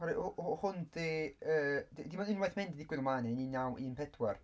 Hwnna o- o- Hwn 'di... yy di- dim ond unwaith ma' hyn 'di digwydd o'r blaen yn un naw un pedwar.